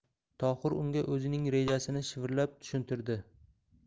tohir unga o'zining rejasini shivirlab tushuntirdi